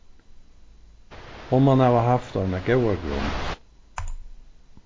hon man hava havt eina góða grund